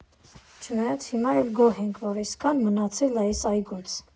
Չնայած հիմա էլ գոհ ենք, որ էսքան մնացել ա էս այգուց։